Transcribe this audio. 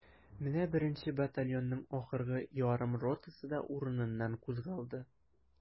Менә беренче батальонның ахыргы ярым ротасы да урыныннан кузгалды.